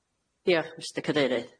Diolch Mr. Cadeirydd.